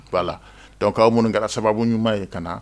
Bala la dɔnkukaw minnu kɛra sababu ɲumanuma ye ka na